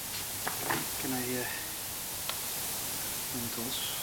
Gennai yy yy nwdls.